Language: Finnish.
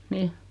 niin